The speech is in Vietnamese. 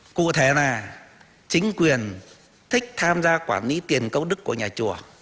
cụ thể là chính quyền thích tham gia quản lý tiền công đức của nhà chùa